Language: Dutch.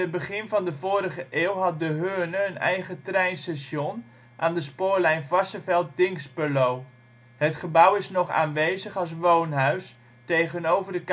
begin van de vorige eeuw had De Heurne een eigen treinstation, aan de spoorlijn Varsseveld - Dinxperlo. Het gebouw is nog aanwezig als woonhuis, tegenover